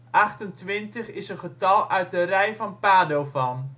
Achtentwintig is een getal uit de rij van Padovan